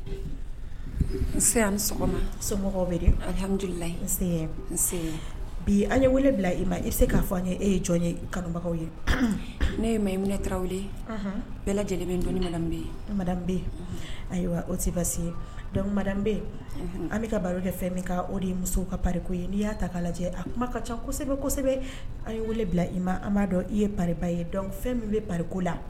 Bi i se k'a fɔ e ye jɔn ye kanubagaw ye ne ma bɛɛ lajɛlen bɛ dɔnni lamɛn ma ayiwa o tɛ ye dɔnku ma an bɛ ka baro kɛ fɛn o de musow kako ye n'i y'a ta' lajɛ a kuma ka casɛbɛ an ye weele bila i ma b'a dɔn i ye ye fɛn min bɛko la